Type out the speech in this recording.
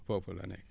foofu la ne